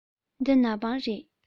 འདི ནག པང རེད